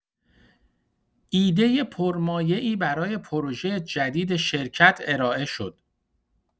ایده پرمایه‌ای برای پروژه جدید شرکت ارائه شد.